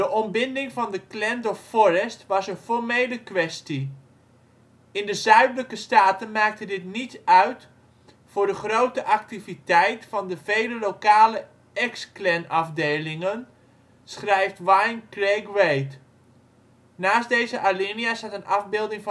ontbinding van de clan door Forrest was een formele kwestie. In de Zuidelijke staten maakte dit niets uit voor de grote activiteit van de vele lokale ex-Klanafdelingen, schrijft Wyn Craig Wade